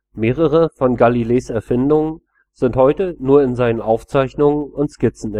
Mehrere von Galileis Erfindungen sind heute nur in seinen Aufzeichnungen und Skizzen